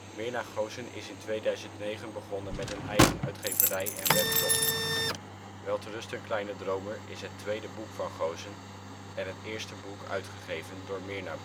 Myrna Goossen is in 2009 begonnen met een eigen uitgeverij en webshop. Welterusten, kleine dromer is het tweede boek van Goossen en het eerste boek uitgegeven door Myrna